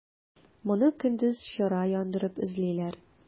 Моны көндез чыра яндырып эзлиләр.